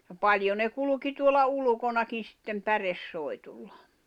ja paljon ne kulki tuolla ulkonakin sitten päresoihduilla